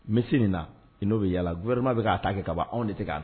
Misi na i n'o bɛ yala gma bɛ ka a ta kɛ ka bɔ anw de kan